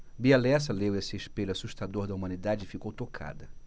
bia lessa leu esse espelho assustador da humanidade e ficou tocada